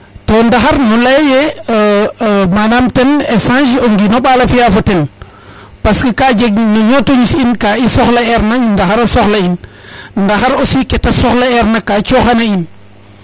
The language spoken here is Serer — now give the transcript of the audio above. to ndaxar nu leya ye manam ten échange o ngino ɓala fiya fo ten parce que ka jeg no ñoto ñis in ka i soxla eer na ndax xay ndaxara soxla in ndaxar ausi kete soxla erna ka coxana in